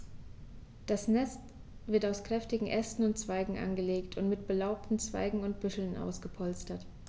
Das Nest wird aus kräftigen Ästen und Zweigen angelegt und mit belaubten Zweigen und Büscheln ausgepolstert.